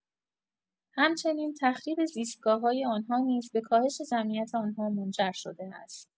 همچنین، تخریب زیستگاه‌های آنها نیز به کاهش جمعیت آنها منجر شده است.